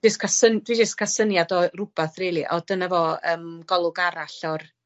Jys ca' syn- dwi jyst ca' syniad o rwbath rili, o dyna fo yym golwg arall o'r